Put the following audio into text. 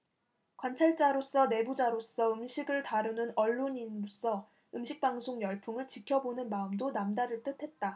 관찰자로서 내부자로서 음식을 다루는 언론인으로서 음식 방송 열풍을 지켜보는 마음도 남다를 듯했다